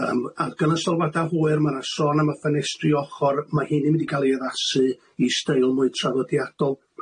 Yym ag yn y sylwada' hwyr ma'na sôn am y ffenestri ochor ma' 'heini 'di ga'l'i addasu i steil mwy traddodiadol.